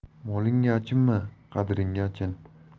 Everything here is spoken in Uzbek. molingga achinma qadringga achin